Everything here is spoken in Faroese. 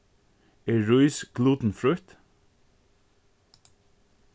er rís glutenfrítt